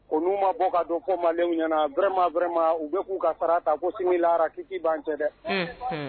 Ko nu ma bɔ ka dɔ fɔ Maliens ɲɛna vraiment, vraiment u bi ku ka sara ta ko sinilahara ko kiti ban cɛ dɛ. Unhun